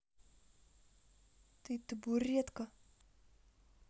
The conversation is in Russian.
ты табуретка